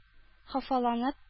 Хафаланып